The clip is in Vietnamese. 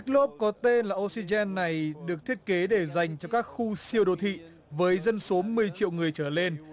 chiếc lốp có tên là ô xe gen này được thiết kế để dành cho các khu siêu đô thị với dân số mười triệu người trở lên